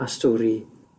a stori